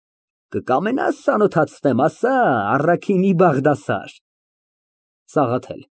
Կկամենա՞ս, ծանոթացնեմ, ասա, առաքինի Բաղդասար… ՍԱՂԱԹԵԼ ֊